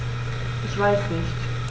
Ich weiß nicht.